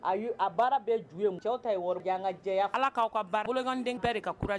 A a baara bɛɛ juguya ye musow ta yeya ka jaya ala k' kakanden bɛɛ de ka